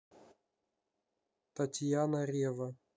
татьяна рева